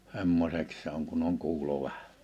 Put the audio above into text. semmoiseksi se on kun on kuulo vähän